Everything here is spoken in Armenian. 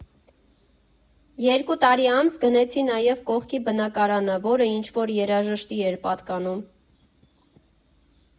Երկու տարի անց գնեցի նաև կողքի բնակարանը, որ ինչ֊որ երաժշտի էր պատկանում։